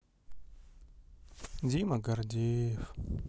дима гордеев